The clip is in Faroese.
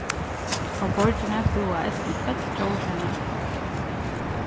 á borgini búðu eisini øll djór hennara